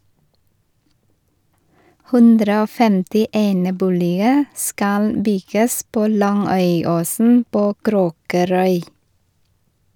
150 eneboliger skal bygges på Langøyåsen på Kråkerøy.